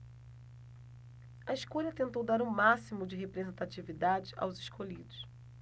a escolha tentou dar o máximo de representatividade aos escolhidos